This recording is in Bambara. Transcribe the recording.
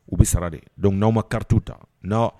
U bɛ sara de dɔnkuc n awaw ma ka karitiw ta n